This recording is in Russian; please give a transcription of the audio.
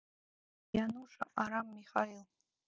януша арам михаил